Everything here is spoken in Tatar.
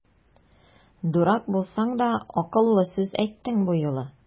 Дурак булсаң да, акыллы сүз әйттең бу юлы!